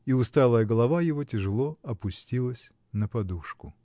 И усталая голова его тяжело опустилась на подушку.